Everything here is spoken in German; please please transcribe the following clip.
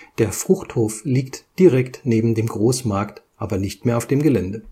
Der Fruchthof liegt direkt neben dem Großmarkt, aber nicht mehr auf dem Gelände